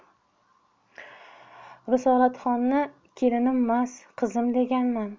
risolatni kelinmas qizim deganman